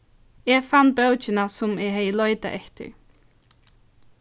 eg fann bókina sum eg hevði leitað eftir